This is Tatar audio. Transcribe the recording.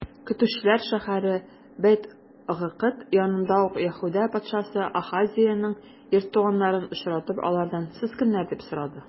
Көтүчеләр шәһәре Бәйт-Гыкыд янында ул, Яһүдә патшасы Ахазеянең ир туганнарын очратып, алардан: сез кемнәр? - дип сорады.